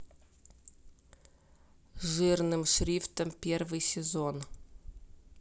жирным шрифтом первый сезон